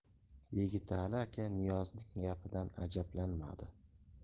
yigitali aka niyozning gapidan ajablanmadi